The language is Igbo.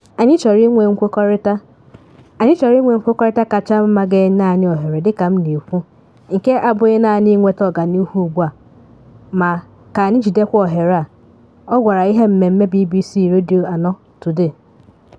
“Anyị chọrọ inwe nkwekọrịta. Anyị chọrọ inwe nkwekọrịta kacha mma ga-enye anyị oghere dịka m na-ekwu, nke abụghị naanị inweta ọganihu ugbu a ma ka anyị jidekwa oghere a,” ọ gwara ihe mmemme BBC Radio 4 Today.